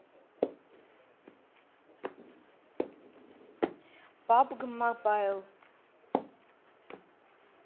pubg mobile